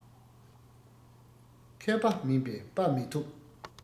མཁས པ མིན པས དཔའ མི ཐོབ